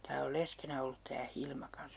tämä on leskenä ollut tämä Hilma kanssa